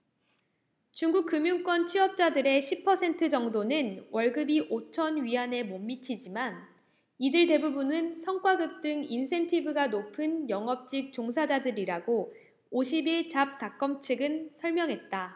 중국 금융권 취업자들의 십 퍼센트 정도는 월급이 오천 위안에 못 미치지만 이들 대부분은 성과급 등 인센티브가 높은 영업직 종사자들이라고 오십 일 잡닷컴 측은 설명했다